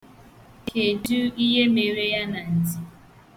Kedụ ihe mere ya na ntị?